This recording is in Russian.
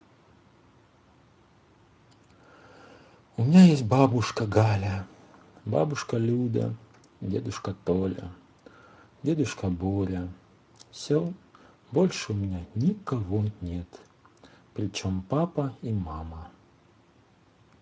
у меня есть бабушка галя бабушка люда дедушка толя дедушка боря все больше у меня никого нет причем папа и мама